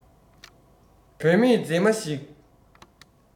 བུད མེད མཛེས མ ཞིག